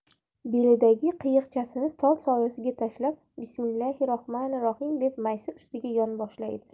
belidagi qiyiqchasini tol soyasiga tashlab bismillohu rahmonur rahim deb maysa ustiga yonboshlaydi